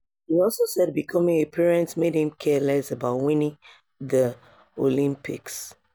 He also said becoming a parent made him care less about winning the Olympics.